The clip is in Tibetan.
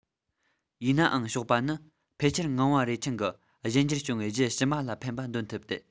ཡིན ནའང གཤོག པ ནི ཕལ ཆེར ངང པ རེ འཆང གི གཞན འགྱུར བྱུང བའི རྒྱུད ཕྱི མ ལ ཕན པ འདོན ཐུབ ཏེ